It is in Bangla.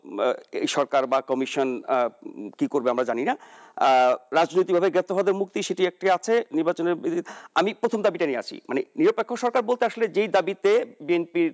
এই সরকার বা কমিশন কি করবে আমরা জানি না রাজনৈতিকভাবে গ্রেফতার হওয়াদের মুক্তি সেটি একটি আছে আমি প্রথম দাবি টা নিয়ে আসি নিরপেক্ষ সরকার বলতে আসলে যেই দাবিতে বিএনপি